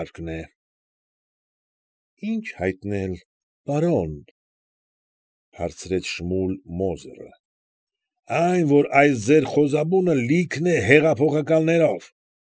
Հարկն է։ ֊ Ի՞նչ հայտնել, պարոն,֊ հարցրեց Շմուլ Մոզերը։ ֊ Այն, որ ձեր այս խոզարանը լիքն է հեղափոխականներով։